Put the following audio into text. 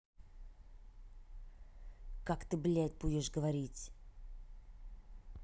как ты блядь будешь говорить